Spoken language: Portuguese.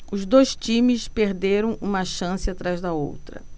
os dois times perderam uma chance atrás da outra